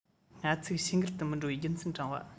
སྔ ཚིག ཕྱི འགལ དུ མི འགྲོ བའི རྒྱུ མཚན དྲངས པ